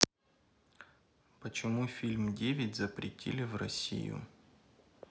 почему фильм девять запретили в россию